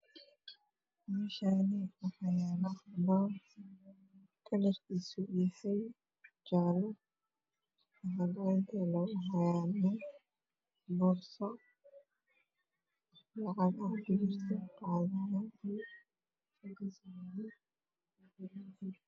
Meeshaani waxaa yaalo kalarkisa yahay jaale waxa yaalo boorso lacag ku jrto